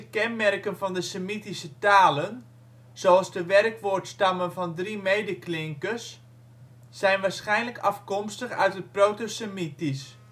kenmerken van de semitische talen, zoals de (werk) woordstammen van drie medeklinkers, zijn waarschijnlijk afkomstig uit het proto-semitisch